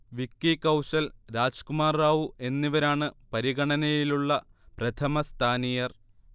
വിക്കി കൗശൽ, രാജ്കുമാർ റാവു എന്നിവരാണ് പരിഗണനയിലുള്ള പ്രഥമസ്ഥാനീയർ